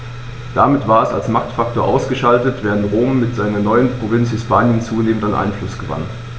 Damit war es als Machtfaktor ausgeschaltet, während Rom mit seiner neuen Provinz Hispanien zunehmend an Einfluss gewann.